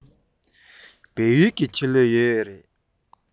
བོད ཡིག ཆེད ལས ཡོད རེད པས